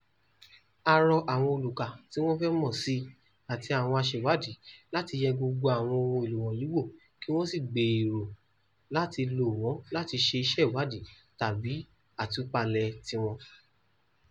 A rọ àwọn olùkà tí wọ́n fẹ́ mọ̀ síi àti àwọn aṣèwádìí láti yẹ gbogbo àwọn ohun-èlò wọ̀nyìí wò kí wọ́n sì gbèrò láti lò wọ́n láti ṣe iṣẹ́ ìwádìí tàbí àtúpalẹ̀ tiwọn.